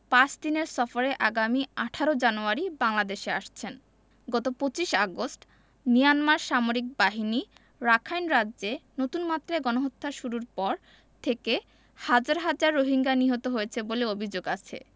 পাঁচ দিনের সফরে আগামী ১৮ জানুয়ারি বাংলাদেশে আসছেন গত ২৫ আগস্ট মিয়ানমার সামরিক বাহিনী রাখাইন রাজ্যে নতুন মাত্রায় গণহত্যা শুরুর পর থেকে হাজার হাজার রোহিঙ্গা নিহত হয়েছে বলে অভিযোগ আছে